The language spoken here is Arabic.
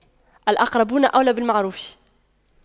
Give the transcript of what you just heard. الأقربون أولى بالمعروف